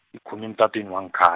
ngikhuluma emtatweni wangekha-.